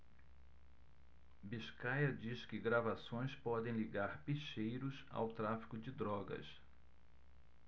biscaia diz que gravações podem ligar bicheiros ao tráfico de drogas